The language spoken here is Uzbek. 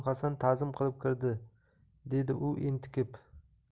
hasan tazim qilib kirdi dedi u entikib